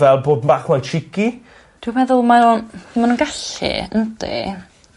fel bod bach mwy cheeky. Dwi meddwl mae o'n, ma' nw'n gallu yndi.